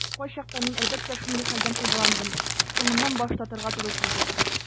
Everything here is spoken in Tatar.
Кайчакта мин, әлбәттә, шундый хәлдән файдаландым - соңыннан баш тартырга туры килде.